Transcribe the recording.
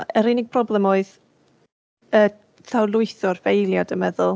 Yr unig broblem oedd yy llawrlwytho'r ffeiliau dwi'n meddwl.